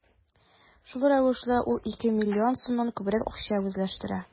Шул рәвешле ул ике миллион сумнан күбрәк акча үзләштерә.